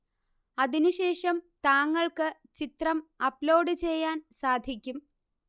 അതിനുശേഷം താങ്കള്ക്ക് ചിത്രം അപ്ലോഡ് ചെയ്യാന് സാധിക്കും